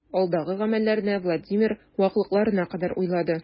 Алдагы гамәлләрне Владимир ваклыкларына кадәр уйлады.